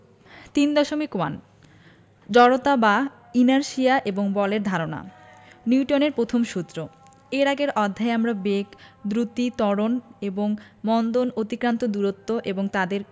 ৩.ওয়ান জড়তা বা ইনারশিয়া এবং বলের ধারণা নিউটনের পথম সূত্র এর আগের অধ্যায়ে আমরা বেগ দ্রুতি ত্বরণ এবং মন্দন অতিক্রান্ত দূরত্ব এবং তাদের